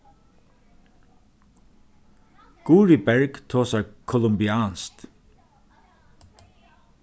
guðrið berg tosar kolumbianskt